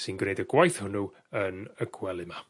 sy'n gwneud y gwaith hwnnw yn y gwely 'ma.